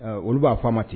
Olu b'a fɔ ma ten